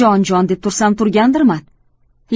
jon jon deb tursam turgandirman